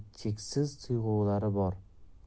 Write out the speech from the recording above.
cheksiz tuyg'ulari bor